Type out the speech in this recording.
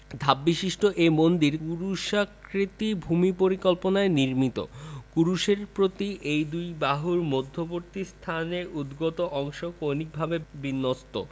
ধাপবিশিষ্ট এ মন্দির ক্রুশাকৃতি ভূমিপরিকল্পনায় নির্মিত ক্রুশের প্রতি দুই বাহুর মধ্যবর্তী স্থানে উদ্গত অংশ কৌণিকভাবে বিন্যস্ত